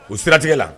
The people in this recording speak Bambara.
U siratigɛ la